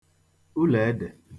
ụlèedè